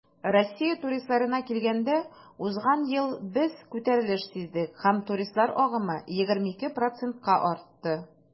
Россия туристларына килгәндә, узган ел без күтәрелеш сиздек һәм туристлар агымы 22 %-ка артты.